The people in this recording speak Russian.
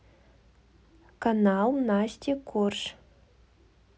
канал насти корж